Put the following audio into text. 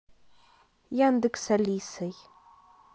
яндекс алисой